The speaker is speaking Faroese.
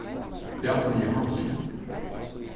bjarni johansen